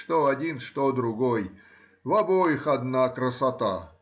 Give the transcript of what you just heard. что один, что другой — в обоих одна красота.